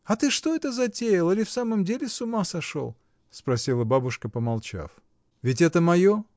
А ты что это затеял или в самом деле с ума сошел? — спросила бабушка, помолчав. — Ведь это мое?